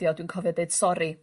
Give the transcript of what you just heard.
...'di o dwi'n cofio deud sori